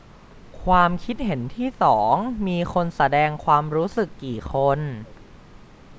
ความคิดเห็นที่สองมีคนแสดงความรู้สึกกี่คน